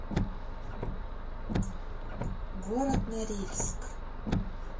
город норильск